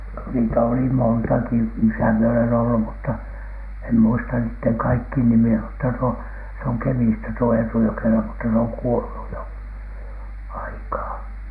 niitä oli montakin missä minä olen ollut mutta en muista niiden kaikkien nimiä mutta tuo se on Kemistä tuo Eetu Jokela mutta se on kuollut jo aikaa